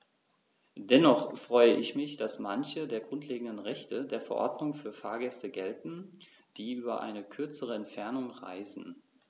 Dennoch freue ich mich, dass manche der grundlegenden Rechte der Verordnung für Fahrgäste gelten, die über eine kürzere Entfernung reisen.